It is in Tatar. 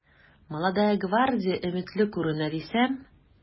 “молодая гвардия” өметле күренә дисәм...